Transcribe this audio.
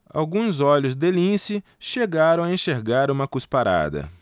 alguns olhos de lince chegaram a enxergar uma cusparada